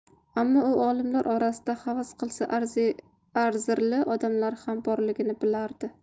ammo u olimlar orasida havas qilsa arzirli odamlar ham borligini bilardi